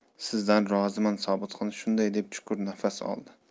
sizdan roziman sobitxon shunday deb chuqur nafas oldi